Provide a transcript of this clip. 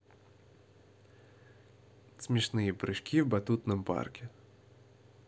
смешные прыжки в батутном парке